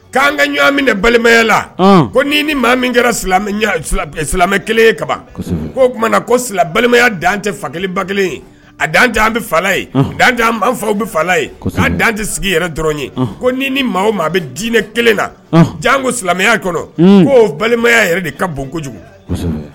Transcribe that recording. K'an ka ɲɔgɔn min balimayala ko ni ni maa min kɛra silamɛ kelen ka k' o tumaumana na ko silamɛ balimaya dan an tɛ fa kelen ba kelen a dan an bɛ fa an fa bɛ fala ye'a dan tɛ sigi dɔrɔn ye ko ni ni maa maa a bɛ diinɛ kelen na jan ko silamɛya kɔnɔ k'o balimaya yɛrɛ de ka bon kojugu